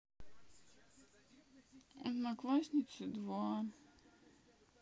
одноклассницы два